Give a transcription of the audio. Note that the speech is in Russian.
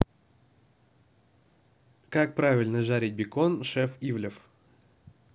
как правильно жарить бекон шеф ивлев